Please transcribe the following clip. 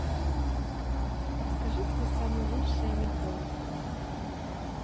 расскажи свой самый лучший анекдот